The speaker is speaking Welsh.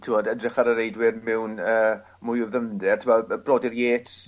t'wod edrych ar y reidwyr mewn yy mwy o ddyfnder t'mo' yy brodyr Yates...